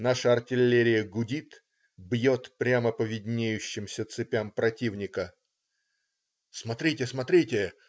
Наша артиллерия гудит, бьет прямо по виднеющимся цепям противника. "Смотрите! смотрите!